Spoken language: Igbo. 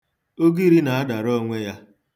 Ugiri na-adara onwe ya.